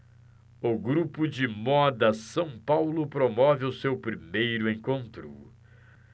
o grupo de moda são paulo promove o seu primeiro encontro